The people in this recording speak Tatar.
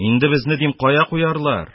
Инде безне, дим, кая куярлар.